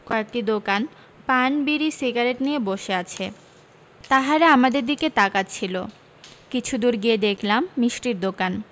কয়েকটি দোকান পান বিড়ি সিগারেট নিয়ে বসে আছে তাহারা আমাদের দিকে তাকাচ্ছিলো কিছুদুর গিয়ে দেখলাম মিষ্টির দোকান